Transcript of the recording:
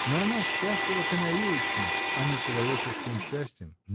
но она счастлива канареечным, а не человеческим счастьем.